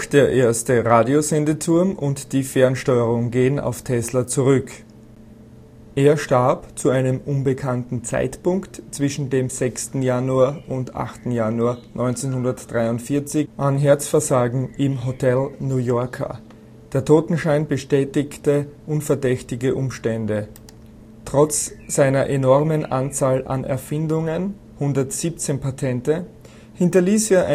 der erste Radio-Sendeturm und die Fernsteuerung gehen auf Tesla zurück. Er starb zu einem unbekannten Zeitpunkt zwischen dem 6. Januar und 8. Januar 1943 an Herzversagen im Hotel New Yorker, der Totenschein bestätigte unverdächtige Umstände. Trotz seiner enormen Zahl an Erfindungen (117 Patente!) hinterließ er